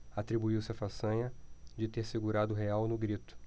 atribuiu-se a façanha de ter segurado o real no grito